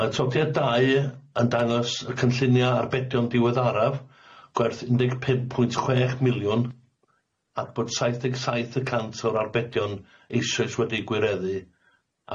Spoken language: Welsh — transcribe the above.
Ma' atodiad dau yn dangos y cynllunia arbedion diweddaraf gwerth un deg pum pwynt chwech miliwn, at bod saith deg saith y cant o'r arbedion eisoes wedi gwireddu,